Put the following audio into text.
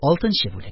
Алтынчы бүлек